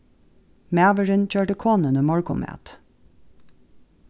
maðurin gjørdi konuni morgunmat